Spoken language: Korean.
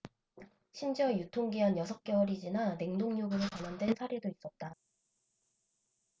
심지어 유통기한 여섯 개월이 지나 냉동육으로 전환된 사례도 있었다